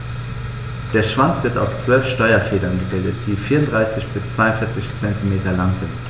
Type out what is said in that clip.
Der Schwanz wird aus 12 Steuerfedern gebildet, die 34 bis 42 cm lang sind.